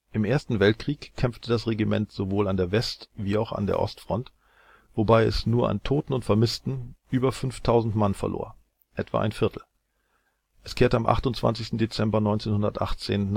Im Ersten Weltkrieg kämpfte das Regiment sowohl an der West - wie auch an der Ostfront, wobei es nur an Toten und Vermissten über 5.000 Mann verlor (etwa ein Viertel). Es kehrte am 28. Dezember 1918